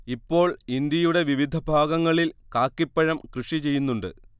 ഇപ്പോൾ ഇന്ത്യയുടെ വിവിധ ഭാഗങളിൽ കാക്കിപ്പഴം കൃഷി ചെയ്യുന്നുണ്ട്